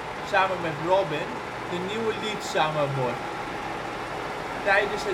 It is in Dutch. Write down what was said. samen met Robin, de nieuwe leadzanger wordt. Tijdens